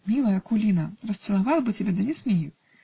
-- "Милая Акулина, расцеловал бы тебя, да не смею.